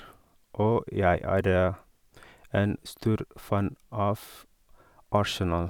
Og jeg er en stor fan av Arsenal.